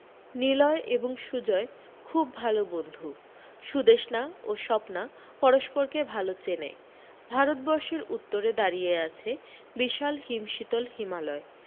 নিলয় এবং সুজয় খুব ভালো বন্ধু সুদেষণা ও স্বপ্না পরস্পরকে ভালো চেনে ভারতবর্ষের উত্তরে দাঁড়িয়ে আছে বিশাল হিমশীতল হিমালয়